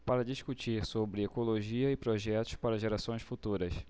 para discutir sobre ecologia e projetos para gerações futuras